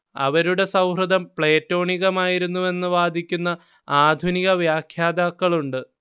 അവരുടെ സൗഹൃദം പ്ലേറ്റോണികമായിരുന്നുവെന്ന് വാദിക്കുന്ന ആധുനിക വ്യാഖ്യാതാക്കളുണ്ട്